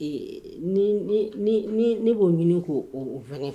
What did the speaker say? Ee ne b'o minɛ k' wɛrɛ fɛ